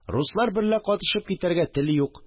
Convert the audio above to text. Руслар берлә катышып китәргә тел юк